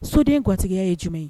Soden gatigiya ye jumɛn ye